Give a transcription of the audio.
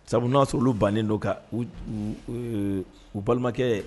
Sabu n'a sɔrɔ bannen dɔ kan u u balimakɛ